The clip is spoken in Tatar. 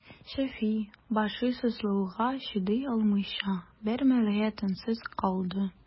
Шәфи, башы сызлауга чыдый алмыйча, бер мәлгә тынсыз калды.